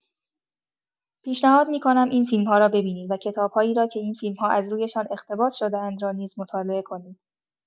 پیشنهاد می‌کنم این فیلم‌ها را ببینید و کتاب‌هایی را که این فیلم‌ها از رویشان اقتباس شده‌اند را نیز مطالعه کنید.